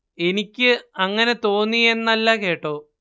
എനിക്ക് അങ്ങനെ തോന്നി എന്നല്ല കേട്ടോ